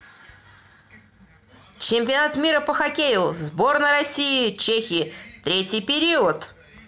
чемпионат мира по хоккею сборная россии чехии третий период